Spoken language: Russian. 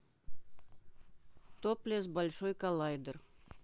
топлесс большой коллайдер